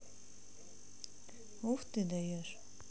ух ты даешь